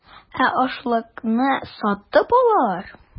Ә ашлыкны сатып алалар.